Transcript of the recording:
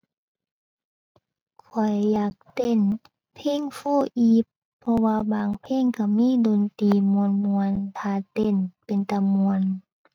ข้อยอยากเต้นเพลง 4EVE เพราะว่าบางเพลงก็มีดนตรีม่วนม่วน ท่าเต้นเป็นตาม่วน